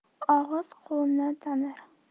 og'iz qo'lni tanir